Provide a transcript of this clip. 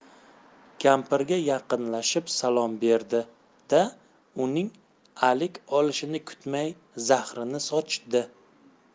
kampirga yaqinlashib salom berdi da uning alik olishini kutmay zahrini sochdi